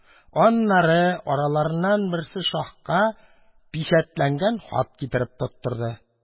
Аннары араларыннан берсе шаһка пичәтләнгән хат китереп тоттырды.